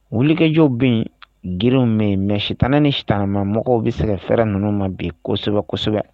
Wuliilikɛjɔ bɛ yen girinw mɛn yen mɛ sitɛnɛ ni sitama mɔgɔw bɛ se fɛrɛɛrɛ ninnu ma bi kosɛbɛ kosɛbɛ